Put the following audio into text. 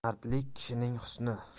mardlik kishining husni